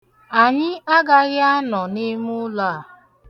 Anyị agaghị anọ n'imụlọ a.